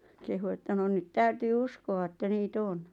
kehui että no nyt täytyy uskoa että niitä on